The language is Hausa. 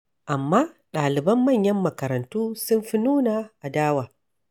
Amma ɗaliban manyan makarantu sun fi nuna adawa.